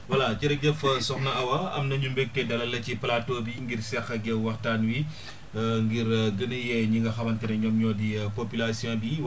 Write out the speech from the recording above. voilà jërëjëf Sokhna Awa am nañu mbégte dalal la ci plateau bi ngir seq ak yow waxtaan wi ngir gën a yee ñi nga xamante ne ñoom ñoo di population bi